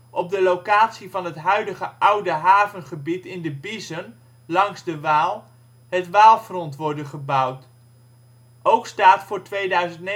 op de locatie van het huidige oude havengebied in de Biezen, langs de Waal, het Waalfront worden gebouwd. Ook staat voor 2009-2011